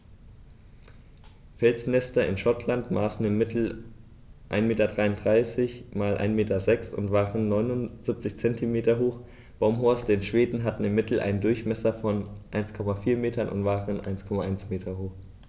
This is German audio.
Felsnester in Schottland maßen im Mittel 1,33 m x 1,06 m und waren 0,79 m hoch, Baumhorste in Schweden hatten im Mittel einen Durchmesser von 1,4 m und waren 1,1 m hoch.